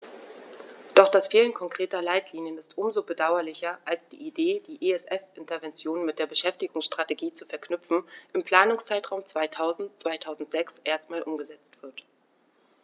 Doch das Fehlen konkreter Leitlinien ist um so bedauerlicher, als die Idee, die ESF-Interventionen mit der Beschäftigungsstrategie zu verknüpfen, im Planungszeitraum 2000-2006 erstmals umgesetzt wird.